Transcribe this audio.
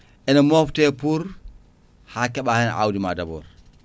ene mofte pour ha keeɓa hen awdi ma d' abord